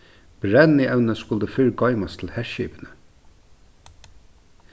brennievni skuldi fyrr goymast til herskipini